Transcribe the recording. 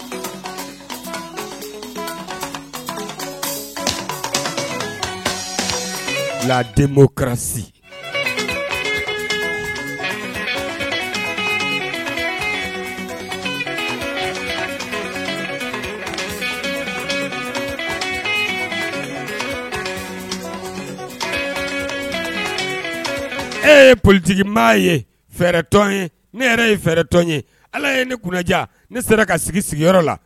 La den karisa e ye politigimaa ye fɛɛrɛ ye ne yɛrɛ ye fɛɛrɛ ye ala ye ne kunnaja ne sera ka sigi sigiyɔrɔ la